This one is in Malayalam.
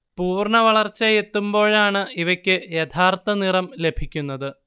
പൂർണ്ണവളർച്ചയെത്തുമ്പോഴാണ് ഇവക്ക് യഥാർത്ത നിറം ലഭിക്കുന്നത്